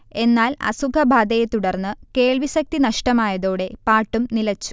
എന്നാൽ അസുഖബാധയെ തുടർന്ന് കേൾവിശക്തി നഷ്ടമായതോടെ പാട്ടും നിലച്ചു